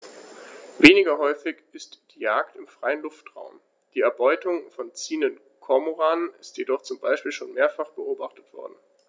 Weniger häufig ist die Jagd im freien Luftraum; die Erbeutung von ziehenden Kormoranen ist jedoch zum Beispiel schon mehrfach beobachtet worden.